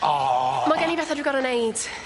O! Ma' gen i bethe dwi gor'o' neud.